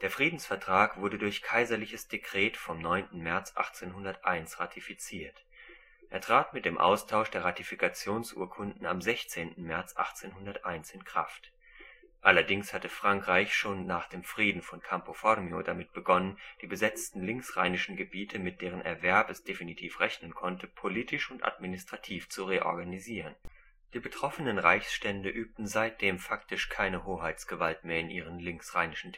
Friedensvertrag wurde durch kaiserliches Dekret vom 9. März 1801 ratifiziert; er trat mit dem Austausch der Ratifikationsurkunden am 16. März 1801 in Kraft. Allerdings hatte Frankreich schon nach dem Frieden von Campo Formio damit begonnen, die besetzten linksrheinischen Gebiete, mit deren Erwerb es definitiv rechnen konnte, politisch und administrativ zu reorganisieren. Die betroffenen Reichsstände übten seitdem faktisch keine Hoheitsgewalt mehr in ihren linksrheinischen